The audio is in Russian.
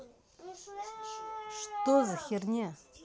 что за херня